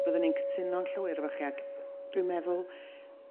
Byddwn i'n cytuno'n llwyr efo chi ag dw i'n meddwl